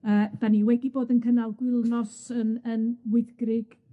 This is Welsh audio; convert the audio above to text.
Yy 'dan ni wedi bod yn cynnal gwylnos yn yn Wyddgrug.